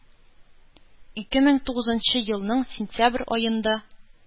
Ике мең тугызынчы елның сентябрь аенда